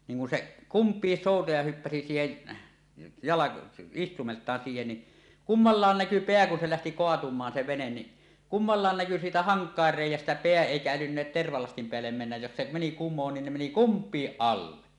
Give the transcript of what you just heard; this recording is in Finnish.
niin kun se kumpikin soutaja hyppäsi siihen - istuimeltaan siihen niin kummallakin näkyi pää kun se lähti kaatumaan se vene niin kummallakin näkyi siitä hankaimien reiästä pää eikä älynneet tervalastin päälle mennä jos se meni kumoon niin ne meni kumpikin alle